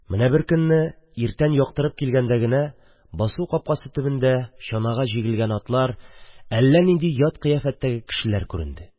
Менә беркөнне иртән, яктырып килгәндә, басу капкасы төбендә чана җигелгән атлар, әллә нинди ят кыяфәттәге кешеләр күренде.